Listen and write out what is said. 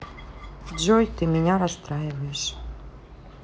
джой ты меня расстраиваешь